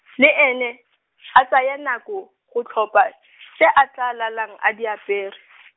le ene, a tsaya nako, go tlhopha, tse a tla lalang a di apere.